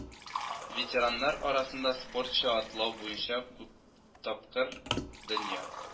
Ветераннар арасында спортча атлау буенча күптапкыр дөнья